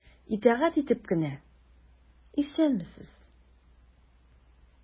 Итагать итеп кенә:— Исәнмесез!